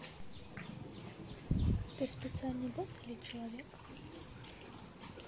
ты специальный бот или человек